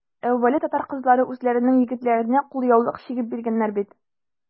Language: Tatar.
Әүвәле татар кызлары үзләренең егетләренә кулъяулык чигеп биргәннәр бит.